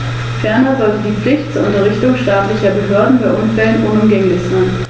Auch ich möchte die Berichterstatterin zu ihrer ausgezeichneten Arbeit beglückwünschen.